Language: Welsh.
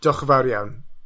diolch yn fawr iawn.